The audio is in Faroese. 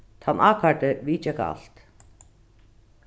tann ákærdi viðgekk alt